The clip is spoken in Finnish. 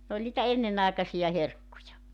n oli niitä ennenaikaisia herkkuja